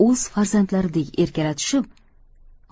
o'z farzandlaridek erkalatishib